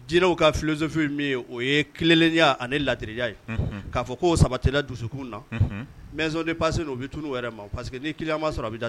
Diinɛw ka philosophie ye min ye, o ye tilenniya ani laadiriya ye, unhun, k'a fɔ k'o sabati la dusukun na, Unhun, maison de passe u bɛ tunun u yɛrɛ ma parce que ni client ma sɔrɔ, a bɛ datu